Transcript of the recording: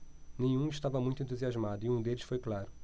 nenhum estava muito entusiasmado e um deles foi claro